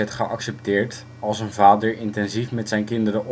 geaccepteerd als een vader intensief met zijn kinderen